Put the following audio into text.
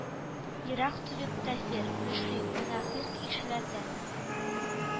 Ерак торыйк кяфер, мөшрик, мөнафыйкь ишеләрдән